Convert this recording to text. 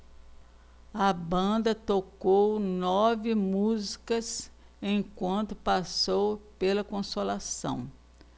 a banda tocou nove músicas enquanto passou pela consolação